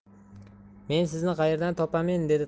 men sizni qayerdan topamen dedi